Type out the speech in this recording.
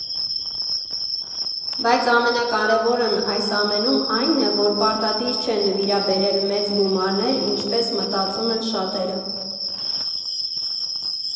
Բայց ամենակարևորն այս ամենում այն է, որ պարտադիր չէ նվիրաբերել մեծ գումարներ, ինչպես մտածում են շատերը։